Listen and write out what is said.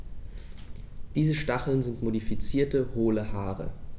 Diese Stacheln sind modifizierte, hohle Haare.